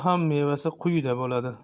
ham mevasi quyida bo'ladi